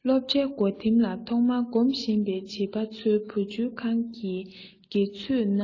སློབ གྲྭའི སྒོ ཐེམ ལ ཐོག མར འགོམ བཞིན པའི བྱིས པ ཚོའི བུ བཅོལ ཁང གི དགེ ཚོས ན